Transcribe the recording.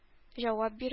Җавап бирү